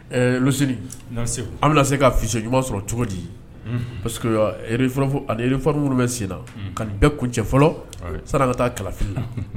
an bɛna se kase ɲuman sɔrɔ cogo di parce fɔlɔ minnu bɛ sen na ka bɛɛ kuncɛ fɔlɔ saraka ka taa kalafin la